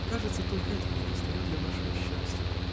— Кажется, только этого недостает для вашего счастья!